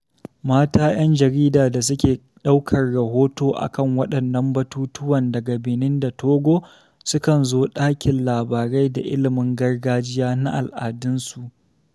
Mata 'yan jarida da suke ɗaukar rahoto a kan waɗannan batutuwan daga Benin da Togo, sukan zo ɗakin labarai da ilimin gargajiya na al'adunsu.